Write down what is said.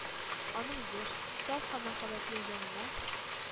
Аның яшь, саф һәм мәхәббәтле җанына!